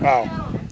waaw